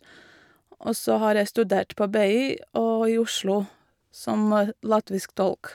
Og så har jeg studert på BI og i Oslo, som latvisk tolk.